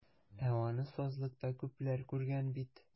Ә аны сазлыкта күпләр күргән бит.